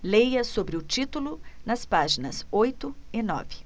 leia sobre o título nas páginas oito e nove